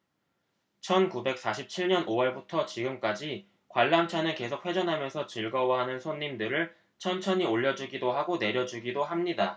천 구백 사십 칠 년 오 월부터 지금까지 관람차는 계속 회전하면서 즐거워하는 손님들을 천천히 올려 주기도 하고 내려 주기도 합니다